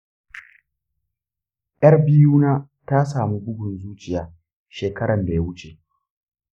yar biyu na ta samu bugun zuciya shekaran da ya wuce